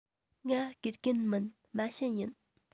ང དགེ རྒན མིན མ བྱན ཡིན